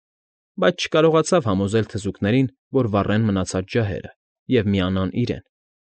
Բայց չկարողացավ համոզել թզուկներին, որ վառեն մնացած ջահերը և միանան իրեն։